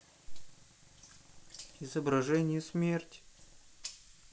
изображение смерть